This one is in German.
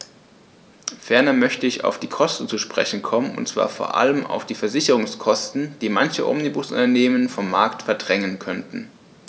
Ferner möchte ich auf die Kosten zu sprechen kommen, und zwar vor allem auf die Versicherungskosten, die manche Omnibusunternehmen vom Markt verdrängen könnten.